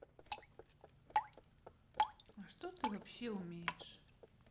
а что ты вообще умеешь